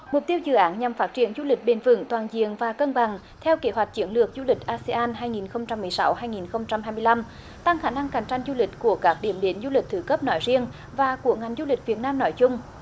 mục tiêu dự án nhằm phát triển du lịch bền vững toàn diện và cân bằng theo kế hoạch chiến lược du lịch a xê an hai nghìn không trăm mười sáu hai nghìn không trăm hai lăm tăng khả năng cạnh tranh du lịch của các điểm đến du lịch thứ cấp nói riêng và của ngành du lịch việt nam nói chung